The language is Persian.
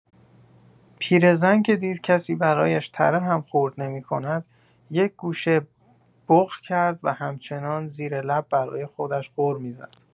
پیر زن که دید کسی برایش تره هم خورد نمی‌کند یک‌گوشه بق کرد و همچنان زیر لب برای خودش غر می‌زد.